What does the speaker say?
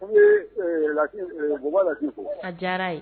Ka diyara ye